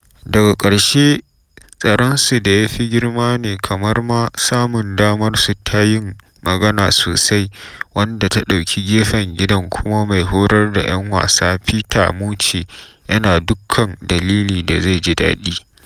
Daga ƙarshe, tsaronsu da ya fi girma ne, kamar ma samun damarsu ta yin magana sosai, wanda ta ɗauki gefen gidan kuma mai horar da ‘yan wasa Peter Murchie yana dukkan dalili da zai ji daɗi.